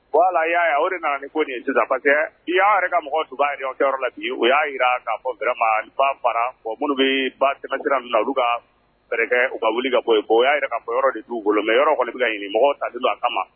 Bon y'a de nana ni ko nin sisan i y'a yɛrɛ ka mɔgɔ tun b la bi o y'a jira k'a fɔbma fara fɔ minnu bɛ ba sira min na ka u ka wuli ka bɔ y'a ka de' u bolo mɛ kɔni bɛ ka ɲini mɔgɔ ta di a kama